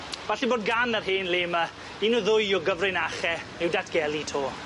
Falle bod gan yr hen le 'my un neu ddwy o gyfrinache i'w datgelu 'to.